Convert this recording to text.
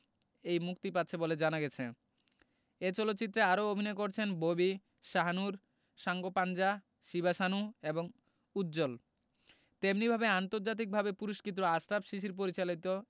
এই মুক্তি পাচ্ছে বলে জানা গেছে এ চলচ্চিত্রে আরও অভিনয় করছেন ববি শাহনূর সাঙ্কোপাঞ্জা শিবা সানু এবং উজ্জ্বল তেমনিভাবে আন্তর্জাতিকভাবে পুরস্কৃত আশরাফ শিশির পরিচালিত